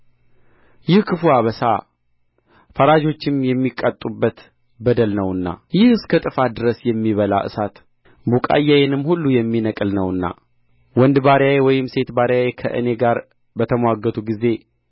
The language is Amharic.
ይህ ክፉ አበሳ ፈራጆችም የሚቀጡበት በደል ነውና ይህ እስከ ጥፋት ድረስ የሚበላ እሳት ቡቃያዬንም ሁሉ የሚነቅል ነውና ወንድ ባሪያዬ ወይም ሴት ባሪያዬ ከእኔ ጋር በተምዋገቱ ጊዜ